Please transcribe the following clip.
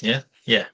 Ie? Ie.